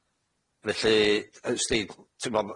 Felly y's ti, t'mo, m-